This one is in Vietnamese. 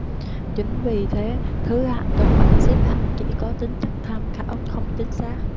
chính vì thế thứ hạng trong bảng xếp hạng chỉ có tính chất tham khảo không chính xác